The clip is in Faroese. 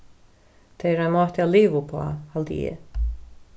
tað er ein máti at liva uppá haldi eg